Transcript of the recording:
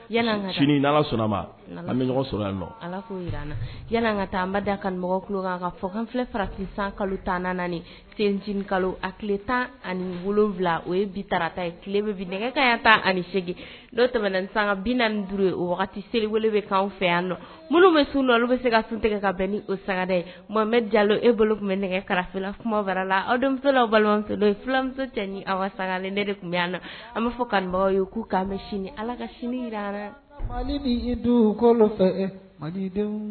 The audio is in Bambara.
Ka taa an da kanu kan fɔ kanfɛ farati san kalo tan kalo a tan aniwula o ye bi tara ta nɛgɛ ka tan ani segin tɛm san bi duuru o seli bɛ kan fɛ yan bɛ sun olu bɛ se ka sun tigɛ ka bɛn ni o saga dɛmɛ jalo e bolo tun bɛ nɛgɛ karafena wɛrɛ la awlaw balimamuso tɛ an ka saga de tun bɛ an an'a fɔ kanubagaw ye k'u ala